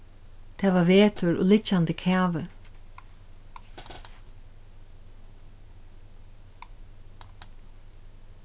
tað var vetur og liggjandi kavi